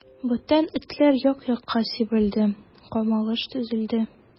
Бүтән этләр як-якка сибелде, камалыш өзелде.